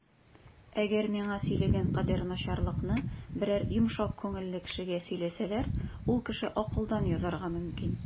Әгәр миңа сөйләгән кадәр начарлыкны берәр йомшак күңелле кешегә сөйләсәләр, ул кеше акылдан язарга мөмкин.